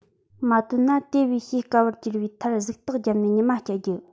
མ བཏོན ན དེ བས བྱེད དཀའ བར གྱུར པའི མཐར གཟིགས རྟགས བརྒྱབ ནས ཉི མ བསྐྱལ རྒྱུ